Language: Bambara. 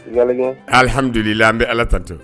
Alhamdulilayi an bɛ Ala tanu